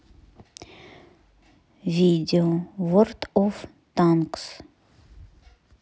видео ворд оф танкс